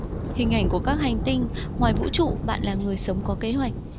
hình ảnh của các hành tinh ngoài vũ trụ bạn là người sống có kế hoạch